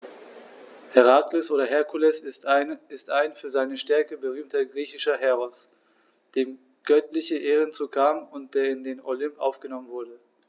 Herakles oder Herkules ist ein für seine Stärke berühmter griechischer Heros, dem göttliche Ehren zukamen und der in den Olymp aufgenommen wurde.